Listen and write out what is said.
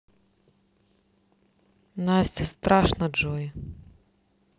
настя страшно джой